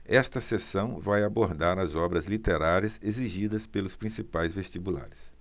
esta seção vai abordar as obras literárias exigidas pelos principais vestibulares